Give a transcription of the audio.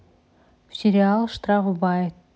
сериал штрафбат